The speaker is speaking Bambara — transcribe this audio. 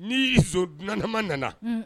N'z dunanma nana